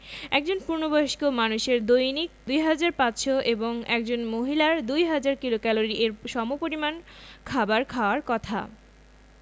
একজন পূর্ণবয়স্ক মানুষের দৈনিক ২৫০০ এবং একজন মহিলার ২০০০ কিলোক্যালরি এর সমপরিমান খাবার খাওয়ার কথা